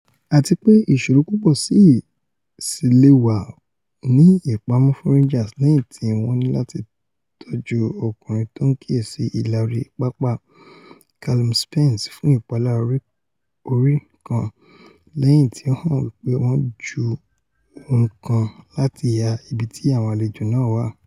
Àtipé ìṣòro púpọ̀ síi sì leè wà ní ìpamọ́ fún Rangers lẹ́yìn tí wọ́n níláti tójú ọkùnrin tó ńkíyèsí ìlà orí-pápá Calum Spence fún ìpalára orí kan lẹ́yìn tí ó hàn wí pé wọn ju ohun kan láti ìhà ibiti àwọn àlejò náà wà.